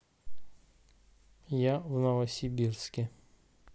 я в новосибирске